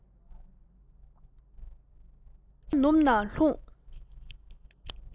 ཉི མ ནུབ ན ལྷུང